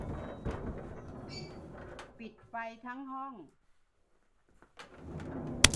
ปิดไฟทั้งห้อง